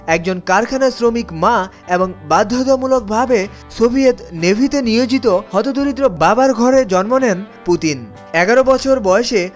একজন কারখানা শ্রমিক মা এবং বাধ্যতামূলক ভাবে সোভিয়েত নেভিতে নিয়োজিত হতদরিদ্র বাবার ঘরে জন্ম নেন পুতিন ১১ বছর বয়সে